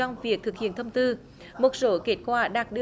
trong việc thực hiện thông tư một số kết quả đạt được